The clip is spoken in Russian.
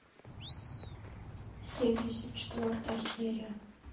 семьдесят четвертая серия